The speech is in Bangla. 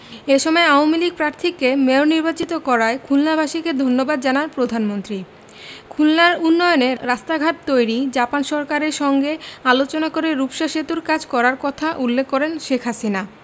এ সময় আওয়ামী লীগ প্রার্থীকে মেয়র নির্বাচিত করায় খুলনাবাসীকে ধন্যবাদ জানান প্রধানমন্ত্রী খুলনার উন্নয়নে রাস্তাঘাট তৈরি জাপান সরকারের সঙ্গে আলোচনা করে রূপসা সেতুর কাজ করার কথা উল্লেখ করেন শেখ হাসিনা